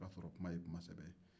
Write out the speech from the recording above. o k'a sɔrɔ kuma ye kuma sɛbɛ ye